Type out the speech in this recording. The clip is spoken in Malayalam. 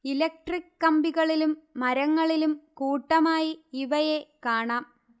ഇലക്ട്രിക് കമ്പികളിലും മരങ്ങളിലും കൂട്ടമായി ഇവയെ കാണാം